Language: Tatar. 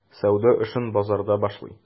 Сәүдә эшен базарда башлый.